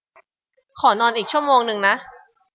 ขอนอนอีกชั่วโมงนึงนะ